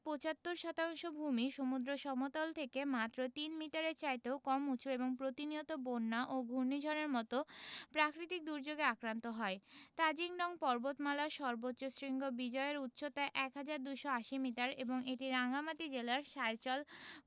৭৫ শতাংশ ভূমিই সমুদ্র সমতল থেকে মাত্র তিন মিটারের চাইতেও কম উঁচু এবং প্রতিনিয়ত বন্যা ও ঘূর্ণিঝড়ের মতো প্রাকৃতিক দুর্যোগে আক্রান্ত হয় তাজিং ডং পর্বতমালার সর্বোচ্চ শৃঙ্গ বিজয় এর উচ্চতা ১হাজার ২৮০ মিটার এবং এটি রাঙ্গামাটি জেলার সায়চল